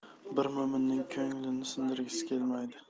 bir mo'minning ko'nglini sindirgisi kelmaydi